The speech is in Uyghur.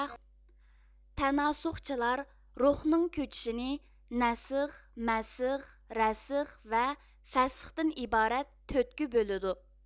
تەناسۇخچىلار روھنىڭ كۆچۈشىنى نەسخ مەسخ رەسخ ۋە فەسختىن ئىبارەت تۆتكە بۆلىدۇ